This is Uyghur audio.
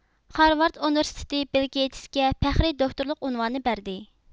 خارۋارد ئۇنىۋېرسىتېتى بىل گېيتىسكە پەخرىي دوكتورلۇق ئۇنۋانى بەردى